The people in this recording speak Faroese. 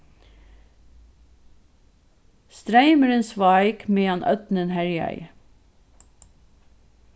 streymurin sveik meðan ódnin herjaði